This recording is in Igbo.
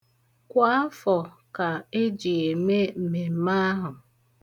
Kwa afọ ka e ji eme mmemme ahụ.